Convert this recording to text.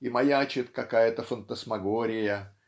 и маячит какая-то фантасмагория